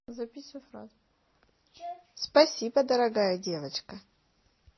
спасибо дорогая девочка